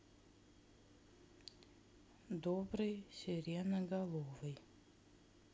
добрый сиреноголовый